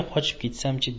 qochib ketsam chi